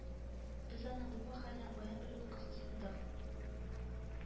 Без аның бу мәкальне каян белүен кызыксындык